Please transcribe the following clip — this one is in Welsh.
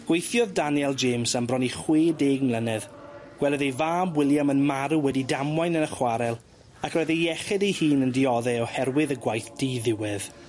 Weithiodd Daniel James am bron i chwê deg mlynedd, gwelodd ei fab William yn marw wedi damwain yn y chwarel ac roedd ei iechyd ei hun yn diodde oherwydd y gwaith di-ddiwedd.